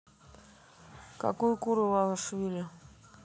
какую куры лашвили